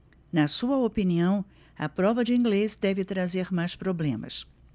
na sua opinião a prova de inglês deve trazer mais problemas